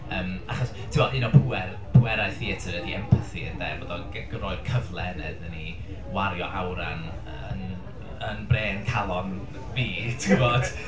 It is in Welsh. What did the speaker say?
Yym achos tibod, un o'r pŵer pwerau theatr ydy empathi ynde. Bod o'n g- roi'r cyfle yna iddo ni wario awran yn yn brên, calon, fi, ti'n gwybod.